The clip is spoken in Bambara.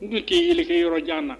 N de tɛ yeli kɛ yɔrɔjan na.